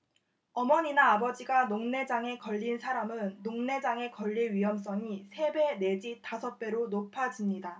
어머니나 아버지가 녹내장에 걸린 사람은 녹내장에 걸릴 위험성이 세 배 내지 다섯 배로 높아집니다